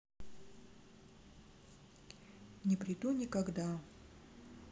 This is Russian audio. не приду никогда